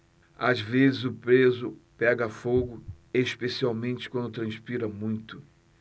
às vezes o preso pega fogo especialmente quando transpira muito